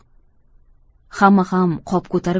hamma ham qop ko'tarib